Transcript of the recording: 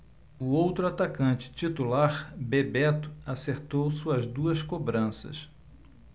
o outro atacante titular bebeto acertou suas duas cobranças